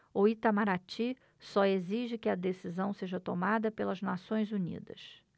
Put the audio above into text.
o itamaraty só exige que a decisão seja tomada pelas nações unidas